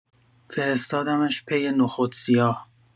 فرستادمش پی نخود سیاه.